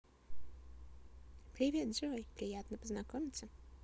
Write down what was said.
привет джой приятно познакомиться